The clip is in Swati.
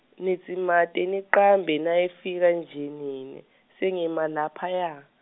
Nidzimate nicambe nayefika nje nine, sengima laphaya.